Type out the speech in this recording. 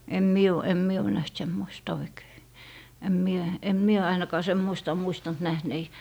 en minä ole en minä ole nähnyt semmoista oikein en minä en minä ainakaan semmoista ole muistanut nähneeni